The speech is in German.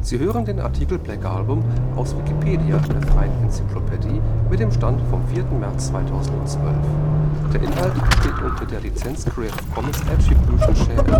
Sie hören den Artikel Black Album (Prince-Album), aus Wikipedia, der freien Enzyklopädie. Mit dem Stand vom Der Inhalt steht unter der Lizenz Creative Commons Attribution Share